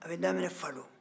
a bɛ daminɛ falo